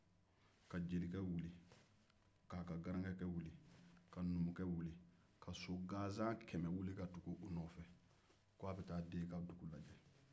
ka jelikɛ wuli ka numukɛ wuli k'a ka garakeke wu ka so gansan kɛmɛ wuli ka tugu u nɔ fɛ